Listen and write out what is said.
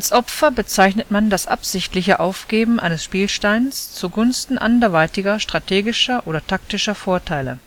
Opfer bezeichnet man das absichtliche Aufgeben eines Spielsteines zu Gunsten anderweitiger strategischer oder taktischer Vorteile